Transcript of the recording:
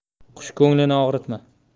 qush ko'nglini og'ritma